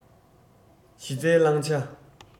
གཞི རྩའི བླང བྱ